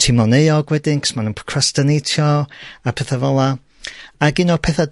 teimlo'n euog wedyn 'c'os ma' nw'n procrastinatio, a petha fela. Ag un o'r petha